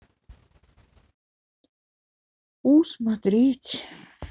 у смотреть